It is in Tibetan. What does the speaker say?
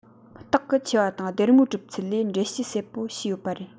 སྟག གི མཆེ བ དང སྡེར མོའི གྲུབ ཚུལ ལས འགྲེལ བཤད གསལ པོ བྱས ཡོད པ རེད